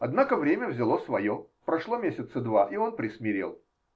Однако время взяло свое; прошло месяца два, и он присмирел.